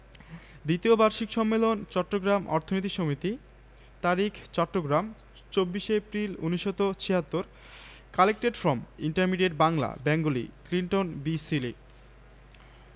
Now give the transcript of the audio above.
দ্বিতীয় বার্ষিক সম্মেলন চট্টগ্রাম অর্থনীতি সমিতি তারিখ চট্টগ্রাম ২৪শে April ১৯৭৬ collected from intermediate Bangla Bengali Clinton B Seely